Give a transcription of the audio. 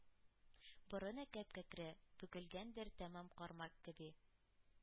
Борыны кәп-кәкре — бөгелгәндер тәмам кармак кеби;